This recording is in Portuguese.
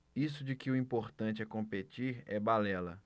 isso de que o importante é competir é balela